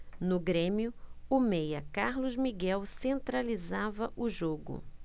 no grêmio o meia carlos miguel centralizava o jogo